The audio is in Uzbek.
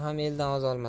ham eldan o'zolmas